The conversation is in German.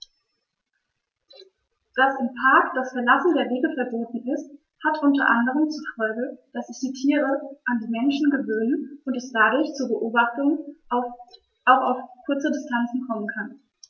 Dass im Park das Verlassen der Wege verboten ist, hat unter anderem zur Folge, dass sich die Tiere an die Menschen gewöhnen und es dadurch zu Beobachtungen auch auf kurze Distanz kommen kann.